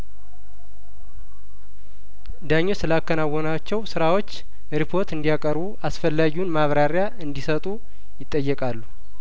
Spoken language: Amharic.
ዳኞች ስላከናወኗቸው ስራዎች ሪፖርት እንዲ ያቀርቡ አስፈላጊውን ማብራሪያ እንዲሰጡ ይጠየቃሉ